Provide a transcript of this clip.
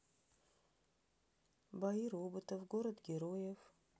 бои роботов город героев